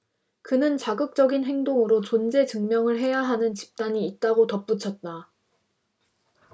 그는 자극적인 행동으로 존재증명을 해야 하는 집단이 있다고 덧붙였다